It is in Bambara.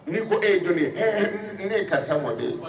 Ni ko ye jɔni ye e ne ye karisa mɔden ye